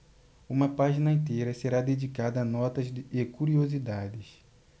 uma página inteira será dedicada a notas e curiosidades